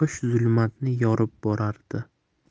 oqish zulmatni yorib borardi